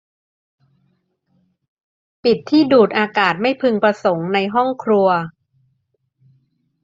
ปิดที่ดูดอากาศไม่พึงประสงค์ในห้องครัว